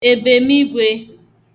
èbèmigwe